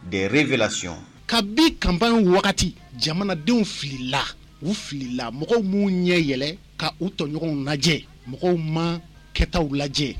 Deree v ka bi kaban wagati jamanadenw fili u filila mɔgɔw minnu ɲɛɛlɛn k' u tɔɲɔgɔnw lajɛ mɔgɔw ma kɛtaw lajɛ